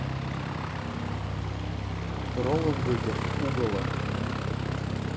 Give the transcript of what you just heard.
ролан быков уголо